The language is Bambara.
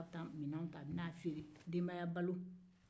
a bɛ taa minɛnw ta ka n'a feere